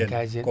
makkaji en